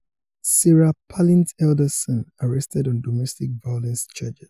Sarah Palin's Eldest Son Arrested on Domestic Violence Charges